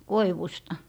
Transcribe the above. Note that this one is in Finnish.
koivusta